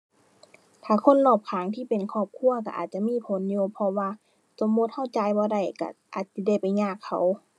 ถ้าคนรอบข้างที่เป็นครอบครัวก็อาจจะมีผลอยู่ เพราะว่าสมมุติก็จ่ายบ่ได้ก็อาจจิได้ไปยากเขา